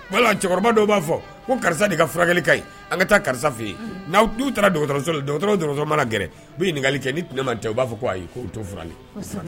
Cɛkɔrɔba dɔw b'a fɔ ko karisa de ka furakɛli ka an ka taa karisa fɛ yen'u taara dɔgɔtɔrɔso dɔgɔtɔrɔ dɔrɔn mana gɛrɛ ɲininkakali kɛ ni ma cɛ u b'a fɔ ko ayi toli